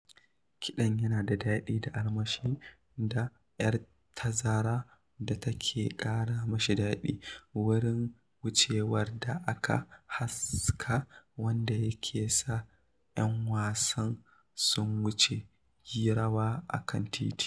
Kiɗan yana da daɗi da armashi, da 'yar tazara da take ƙara masa daɗi (wurin wucewar da aka haska wanda yake sa 'yan wasan sun wuce/yi rawa a kan titin).